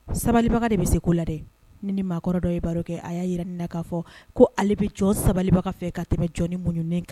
Sabalibaga de bɛ se ko la dɛ. Ne ni maakɔrɔ dɔ ye baroke kɛ, a y'a jira ne la ka fɔ ko ale bɛ jɔn sabalibaga fɛ ka tɛmɛ jɔn ni muɲuni kan.